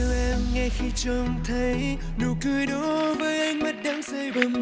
ngay khi trông thấy nụ cười đó với ánh mắt đắm say bờ môi